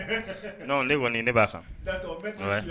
Ne kɔni ne b'a kan